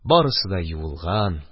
Барысы да юылган.